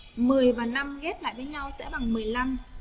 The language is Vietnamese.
và ghép lại với nhau sẽ bằng